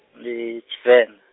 ndi, Tshivenḓa.